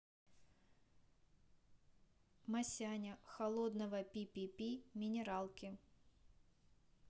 масяня холодного пи пи пи минералки